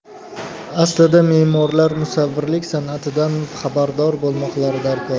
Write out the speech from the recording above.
aslida memorlar musavvirlik sanatidan xabardor bo'lmoqlari darkor